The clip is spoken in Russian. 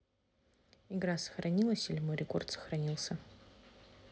игра сохранилась или мой рекорд сохранился